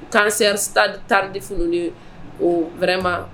Tansɛ tan tandi f de o wɛrɛma